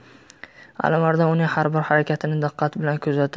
alimardon uning har bir harakatini diqqat bilan kuzatar